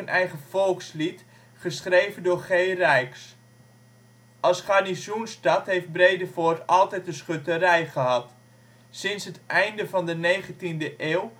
eigen volkslied geschreven door G. Rijks. Als garnizoensstad heeft Bredevoort altijd een schutterij gehad. Sinds het einde van de 19e eeuw